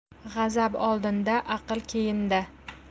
g'azab oldinda aql keyinda